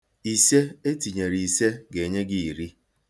Ise e tinyere ise ga-enye gị iri.